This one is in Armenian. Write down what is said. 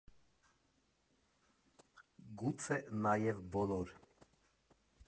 Գուցե նաև բոլոր։